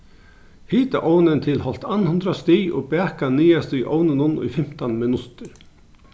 hita ovnin til hálvt annað hundrað stig og baka niðast í ovninum í fimtan minuttir